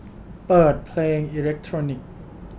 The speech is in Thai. เปิดเพลงอิเลกโทรนิค